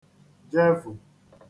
jevù